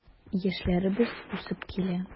Яшьләребез үсеп килә.